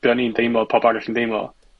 be' o'n i'n deimlo, pawb arall yn deimlo.